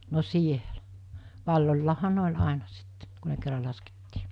no siellä valloillahan ne oli aina sitten kun ne kerran laskettiin